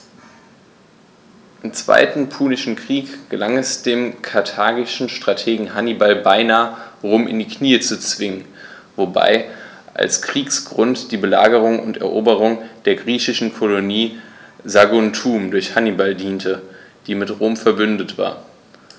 Im Zweiten Punischen Krieg gelang es dem karthagischen Strategen Hannibal beinahe, Rom in die Knie zu zwingen, wobei als Kriegsgrund die Belagerung und Eroberung der griechischen Kolonie Saguntum durch Hannibal diente, die mit Rom „verbündet“ war.